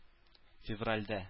Февральдә